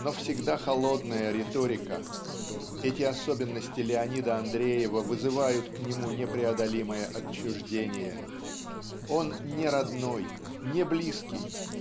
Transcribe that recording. но всегда холодная риторика эти особенности Леонида Андреева вызывают к нему непреодолимое отчуждение. Он не родной не близкий